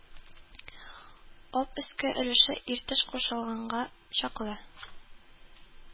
Об өске өлеше Иртеш кушылганга чаклы